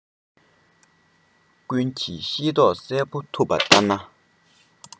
ཀུན གྱིས ཤེས རྟོགས གསལ པོ ཐུབ པ ལྟར